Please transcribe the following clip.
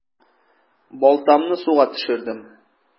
Балтамны суга төшердем.